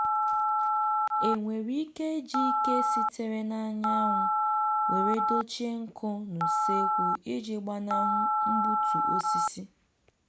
"E nwere ike iji ike sitere n'anywanụ were dochịe nkụ n'ụsekwu iji gbanahụ mgbutu osisi?"